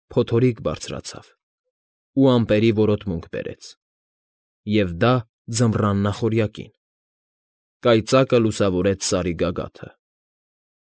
Փոթորիկ բարձրացավ ու ամպրոպը որոտմունք բերեց (և դա ձմռան նախօրյակին), կայծակը լուսավորեց Սարի գագաթը։